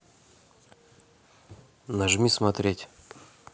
нажми смотреть